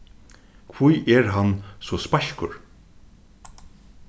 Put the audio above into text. hví er hann so speiskur